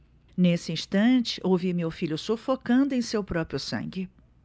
nesse instante ouvi meu filho sufocando em seu próprio sangue